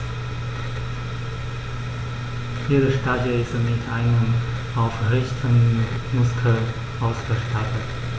Jeder Stachel ist mit einem Aufrichtemuskel ausgestattet.